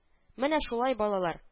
Менә шулай, балалар